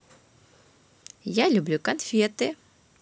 я люблю конфеты